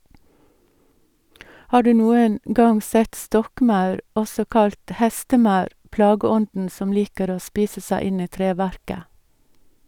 Har du noen gang sett stokkmaur, også kalt hestemaur, plageånden som liker å spise seg inn i treverket?